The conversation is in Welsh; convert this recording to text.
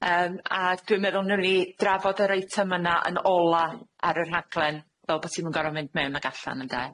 Yym a dwi'n meddwl newn ni drafod yr eitem yna yn ola ar y rhaglen fel bo' ti'm yn goro mynd mewn ag allan ynde?